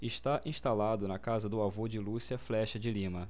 está instalado na casa do avô de lúcia flexa de lima